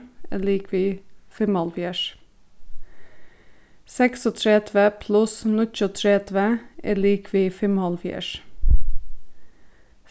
er ligvið fimmoghálvfjerðs seksogtretivu pluss níggjuogtretivu er ligvið fimmoghálvfjerðs